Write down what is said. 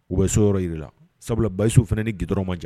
U be so yɔrɔ yir'i la sabula Bahisu fɛnɛ ni goudron man jan